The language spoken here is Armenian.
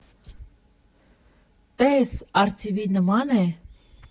Տե՛ս, արծիվի նման է։